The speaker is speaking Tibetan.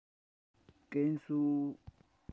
ཀན སུའུ